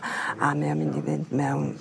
... a mae o mynd i fynd mewn